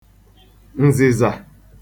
ǹzị̀zà